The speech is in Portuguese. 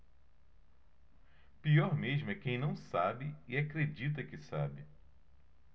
pior mesmo é quem não sabe e acredita que sabe